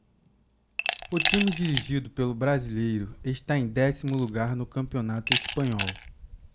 o time dirigido pelo brasileiro está em décimo lugar no campeonato espanhol